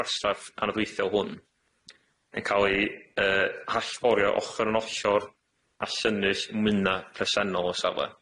gwastraff anadwythiol hwn yn ca'l 'i yy hallforio ochor yn ollor a llynyll myna presennol y safla.